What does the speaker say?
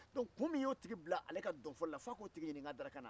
donc kun min y'o tigi bila ale ka dɔnfɔli la f'a ko tigi ɲininka a dalakan na